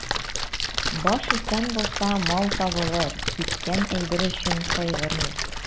Баш исән булса, мал табылыр, киткән әйбер өчен кайгырмыйк.